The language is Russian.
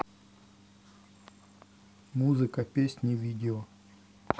музыка песни видео